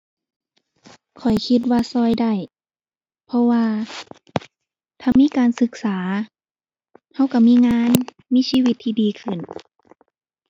ข้อยคิดว่าช่วยได้ เพราะว่าถ้ามีการศึกษา ช่วยช่วยมีงาน มีชีวิตที่ดีขึ้น